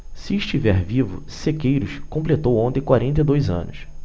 se estiver vivo sequeiros completou ontem quarenta e dois anos